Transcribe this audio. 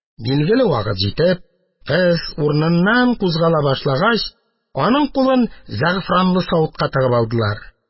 Билгеле вакыт җитеп, кыз урыныннан кузгала башлагач, аның кулын зәгъфранлы савытка тыгып алдылар.